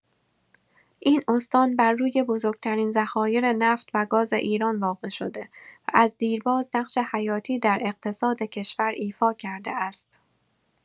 این استان بر روی بزرگ‌ترین ذخایر نفت و گاز ایران واقع شده و از دیرباز نقش حیاتی در اقتصاد کشور ایفا کرده است.